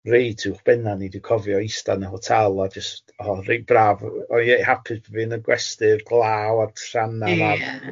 reit uwchbenna ni, dwi'n cofio ista yn y hotel a jyst o reit braf o'n i hapus bod fi'n yn gwesty'r glaw a'r trannau yna... Ia ia ia.